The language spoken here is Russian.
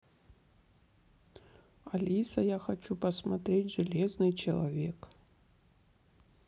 алиса я хочу посмотреть железный человек